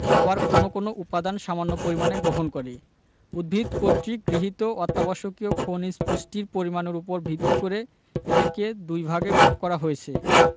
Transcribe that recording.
আবার কোনো কোনো উপাদান সামান্য পরিমাণে গ্রহণ করে উদ্ভিদ কর্তৃক গৃহীত অত্যাবশ্যকীয় খনিজ পুষ্টির পরিমাণের উপর ভিত্তি করে এদেরকে দুইভাগে ভাগ করা হয়েছে